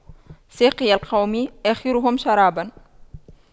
ساقي القوم آخرهم شراباً